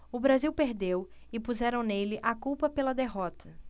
o brasil perdeu e puseram nele a culpa pela derrota